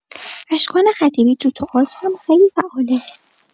اشکان خطیبی تو تئاتر هم خیلی فعاله.